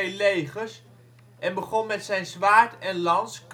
legers en begon met zijn zwaard en lans